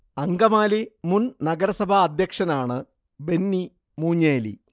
അങ്കമാലി മുൻ നഗരസഭാ അധ്യക്ഷനാണ് ബെന്നി മൂഞ്ഞേലി